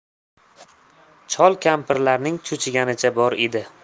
chol kampirlarning cho'chiganicha bor edi